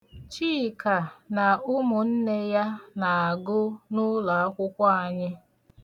Chika na ụmụnne ya na-agụ n'ụlaakwụkwọ anyị.